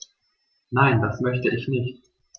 Nein, das möchte ich nicht.